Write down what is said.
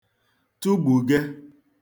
tụgbùge